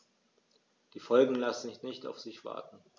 Die Folgen lassen nicht auf sich warten.